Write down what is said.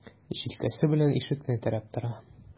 Җилкәсе белән ишекне терәп тора.